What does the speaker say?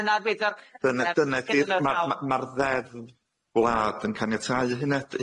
dyna di'r, ma- ma'r ddeddf glwad yn caniatau hyne,